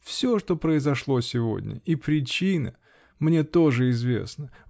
-- Все, что произошло сегодня! И причина. мне тоже известна!